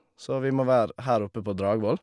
Så vi må være her oppe på Dragvoll.